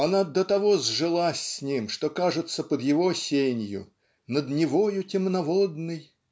она до того сжилась с ним что кажется под его сенью "над Невою темноводной